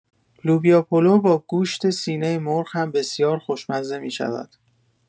لوبیا پلو با گوشت سینه مرغ هم بسیار خوشمزه می‌شود.